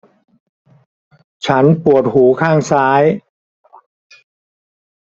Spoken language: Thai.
ฉันปวดหูข้างซ้าย